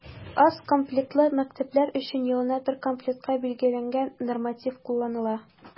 Аз комплектлы мәктәпләр өчен елына бер комплектка билгеләнгән норматив кулланыла.